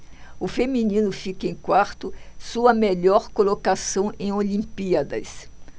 o feminino fica em quarto sua melhor colocação em olimpíadas